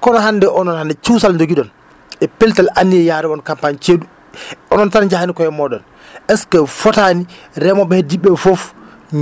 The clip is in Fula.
kono hannde onon hannde cuusal njogiɗon e pellital anniye yaade on campagne ceeɗu onon tan njahani koye mooɗon est ce que fotaani remooɓe heddii ɓe ɓee fof